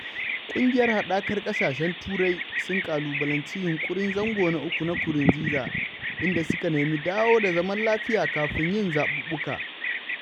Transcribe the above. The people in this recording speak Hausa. ƙungiyar haɗakar ƙasashen Turai sun ƙalubalanci yunƙurin zango na uku na Nkurunziza, inda suka nemi dawo da zaman lafiya kafin yin zaɓuɓɓuka.